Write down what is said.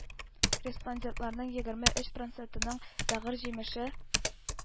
Респондентларның егерме өч процентының бәгырь җимеше